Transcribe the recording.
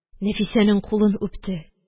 Нәфисәнең кулын үпте